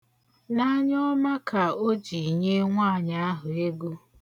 N'anyọọma ka o ji nye nwaanyị ahụ ego.